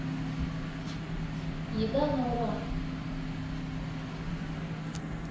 еда на ура